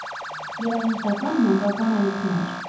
Երաժշտական ու մանկական ալիքներ։